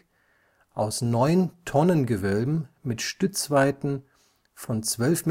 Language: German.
aus neun Tonnengewölben mit Stützweiten von 12,20